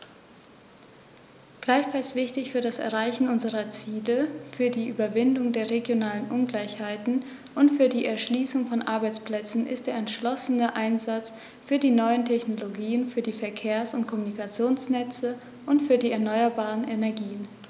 Gleichfalls wichtig für das Erreichen unserer Ziele, für die Überwindung der regionalen Ungleichheiten und für die Erschließung von Arbeitsplätzen ist der entschlossene Einsatz für die neuen Technologien, für die Verkehrs- und Kommunikationsnetze und für die erneuerbaren Energien.